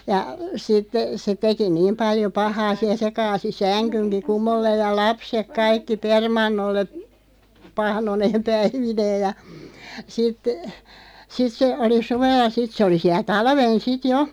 ja sitten se teki niin paljon pahaa siellä se kaatoi sängynkin kumolleen ja lapset kaikki permannolle pahnoineen päivineen ja sitten sitten se oli suvella sitten se oli siellä talven sitten jo